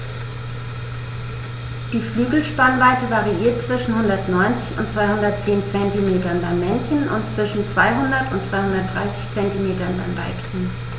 Die Flügelspannweite variiert zwischen 190 und 210 cm beim Männchen und zwischen 200 und 230 cm beim Weibchen.